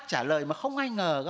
trả lời mà không ai ngờ